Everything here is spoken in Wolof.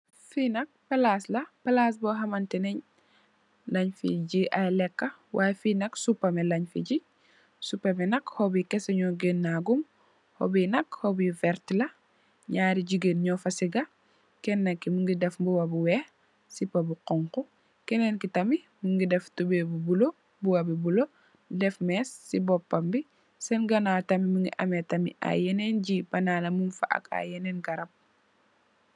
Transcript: Fi nak palas la, palas bo xamanteni dañ fi ji ay lekka way fi nak supamè lañ fi ji, supamè bi nak xop yi kèse ño gennè gum xop yi nak xop yu werta la ñaari jigeen ñu fa segga Kenna ki mugii def mbuba bu wèèx sipá bu xonxu kenen ki tamit mugii def tubay bu bula, mbuba bu bula dèf més si bópam bi. Sèèn ganaw tamit mugii ameh tamit ay yenen nji banana mung fa ak yenen garap.